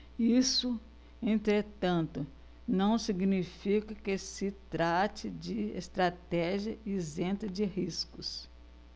isso entretanto não significa que se trate de estratégia isenta de riscos